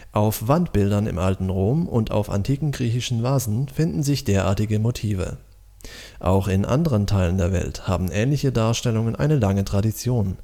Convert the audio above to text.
Auf Wandbildern im alten Rom und auf antiken griechischen Vasen finden sich derartige Motive. Auch in anderen Teilen der Welt haben ähnliche Darstellungen eine lange Tradition